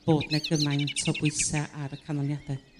bod 'na gymaint o bwyse ar y canlyniade.